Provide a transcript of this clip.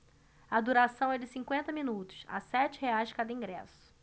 a duração é de cinquenta minutos a sete reais cada ingresso